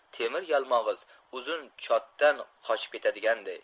temir yalmog'iz uzun chotdan qochib ketadiganday